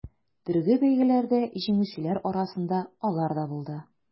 Төрле бәйгеләрдә җиңүчеләр арасында алар да булды.